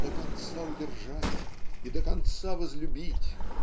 "до конца удержать и до конца возлюбить